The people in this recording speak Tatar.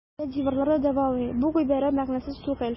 Өйдә диварлар да дәвалый - бу гыйбарә мәгънәсез түгел.